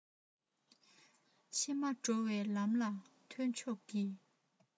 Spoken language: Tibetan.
ཕྱི མ འགྲོ བའི ལམ ལ ཐོན ཆོག གྱིས